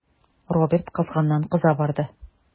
Роберт кызганнан-кыза барды.